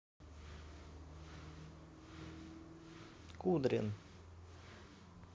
кудрин